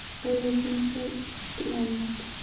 qayg'usini esa hech kim olmaydi